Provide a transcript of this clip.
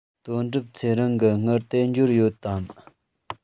དོན གྲུབ ཚེ རིང གི དངུལ དེ འབྱོར ཡོད དམ